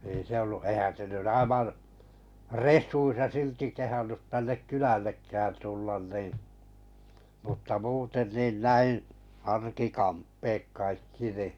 ei se ollut eihän se nyt aivan resuissa silti kehdannut tänne kylällekään tulla niin mutta muuten niin näin arkikamppeet kaikki niin